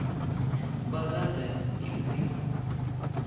богатая и любимая